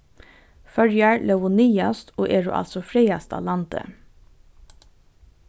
føroyar lógu niðast og eru altso frægasta landið